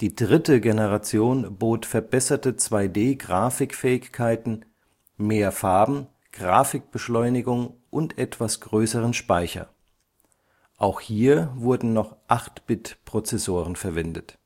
dritte Generation bot verbesserte 2D-Grafikfähigkeiten, mehr Farben, Grafikbeschleunigung und etwas größeren Speicher. Auch hier wurden noch 8-bit-Prozessoren verwendet